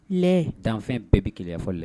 Lɛɛ danfɛn bɛɛ be keleya fɔ lɛ